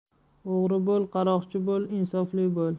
o'g'ri bo'l qaroqchi bo'l insofli bo'l